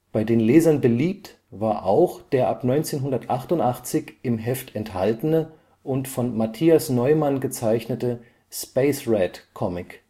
Bei den Lesern beliebt war auch der ab 1988 im Heft enthaltene und von Matthias Neumann gezeichnete Space-Rat-Comic